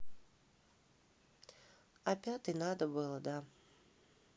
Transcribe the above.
а пятый надо было да